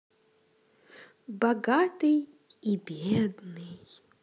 богатый и бедный